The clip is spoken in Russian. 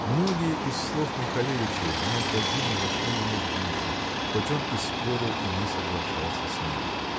Многие из слов Михалевича неотразимо вошли ему в душу, хоть он и спорил и не соглашался с ним.